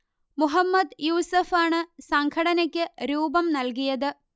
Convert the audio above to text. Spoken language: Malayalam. മുഹമ്മദ് യൂസഫാണ് സംഘടനയ്ക്ക് രൂപം നൽകിയത്